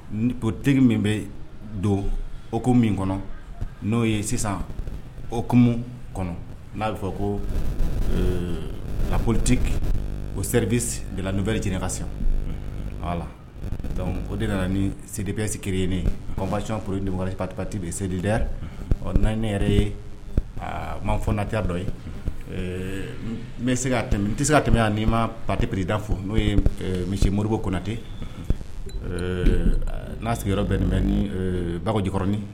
Ni ptigi min bɛ don o ko min kɔnɔ n'o ye sisan okumu kɔnɔ n'a bɛ fɔ ko a politi o seri n bɛri j ka sisan wala o de nana ni sedi bɛsire ye neba caɔn p ni papipti bɛ selid ɔ na ne yɛrɛ ye man fɔnatiya dɔ ye n bɛ se tɛmɛ n tɛ se ka tɛmɛ'i ma papereda fo n'o ye misi moribɔ kunnanatɛ n'a sigin bɛ nin bɛ ni bajikɔrɔnin